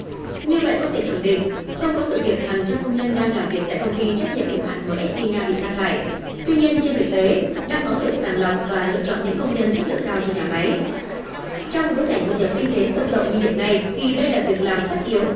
như vậy có thể khẳng định không có sự việc hàng trăm công nhân đang làm việc tại công ty trách nhiệm hữu hạn mờ ét vi na bị sa thải tuy nhiên trên thực tế đang có việc sàng lọc và lựa chọn những công nhân chất lượng cao cho nhà máy trong bối cảnh hội nhập kinh tế sâu rộng như hiện nay thì đây là việc làm tất yếu